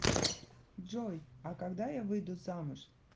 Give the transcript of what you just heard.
джой а когда я выйду замуж